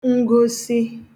ngosị